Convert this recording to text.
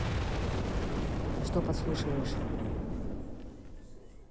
ты что подслушиваешь